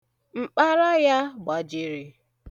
Mkpara ya gbajiri.